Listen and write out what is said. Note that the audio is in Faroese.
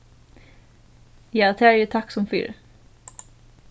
ja tað eri eg takksom fyri